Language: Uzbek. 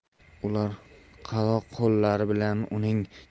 ular qadoq qo'llari bilan uning